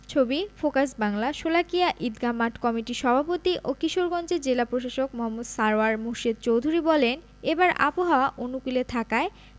ছবি ফোকাস বাংলাশোলাকিয়া ঈদগাহ মাঠ কমিটির সভাপতি ও কিশোরগঞ্জের জেলা প্রশাসক মো. সারওয়ার মুর্শেদ চৌধুরী বলেন এবার আবহাওয়া অনুকূলে থাকায়